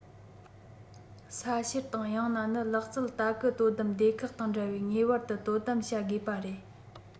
ས བཤེར དང ཡང ན ནི ལག རྩལ ལྟ སྐུལ དོ དམ སྡེ ཁག དང འདྲ བའི ངེས པར དུ དོ དམ བྱ དགོས པ རེད